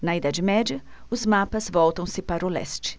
na idade média os mapas voltam-se para o leste